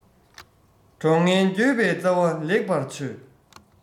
གྲོགས ངན འགྱོད པའི རྩ བ ལེགས པར ཆོད